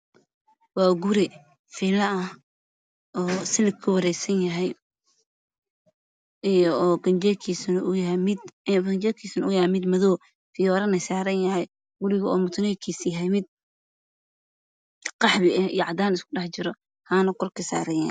Waa guri villa ah waxaa banaanka ku yaalla silig madow guriga darbigiisa waa qaxwi iyo caddaan